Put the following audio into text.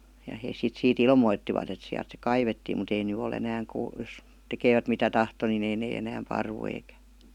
ja he sitten siitä ilmoittivat että sieltä se kaivettiin mutta ei nyt ole enää - jos tekevät mitä tahtoi niin ei ne enää paru eikä